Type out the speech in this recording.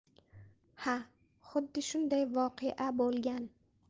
ha xuddi shunday voqea bo'lgan